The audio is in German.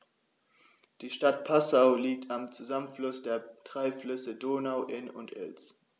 Die Stadt Passau liegt am Zusammenfluss der drei Flüsse Donau, Inn und Ilz.